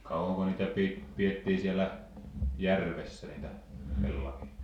kauanko niitä - pidettiin siellä järvessä niitä pellavia